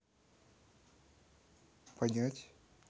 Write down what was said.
понять